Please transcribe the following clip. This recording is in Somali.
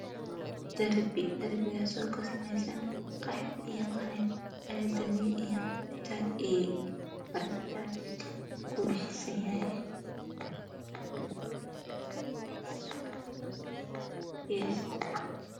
Meeshaan waxaa iiga muuqda darbi oo ka sameysan qaxwi iyo qalin ka sameysan